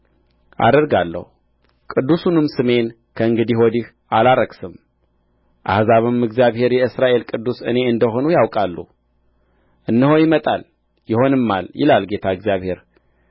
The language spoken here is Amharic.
አደርጋለሁ ቅዱሱንም ስሜን ከእንግዲህ ወዲህ አላስረክስም አሕዛብም እግዚአብሔር የእስራኤል ቅዱስ እኔ እንደ ሆንሁ ያውቃሉ እነሆ ይመጣል ይሆንማል ይላል ጌታ እግዚአብሔር